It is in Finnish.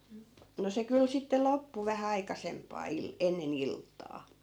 no se kyllä sitten loppui vähän aikaisempaan - ennen iltaa